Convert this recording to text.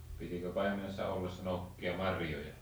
pitikö paimenessa ollessa noukkia marjoja